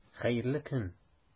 Хәерле көн!